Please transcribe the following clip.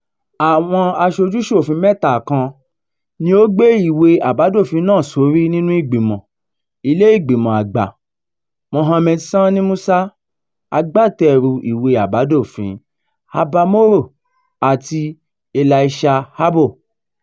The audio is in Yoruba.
Àwọn aṣojú-ṣòfin mẹ́ta kan ni ó gbé ìwé àbádòfin náà sórí nínú ìgbìmọ̀, ilé ìgbìmọ̀ àgbà: Mohammed Sani Musa (agbátẹrùu ìwé àbádòfin), Abba Moro àti Elisha Abbo.